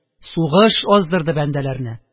Сугыш аздырды бәндәләрне